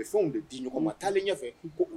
Bɛ fɛnw de di ɲɔgɔnma taalen ɲɛfɛ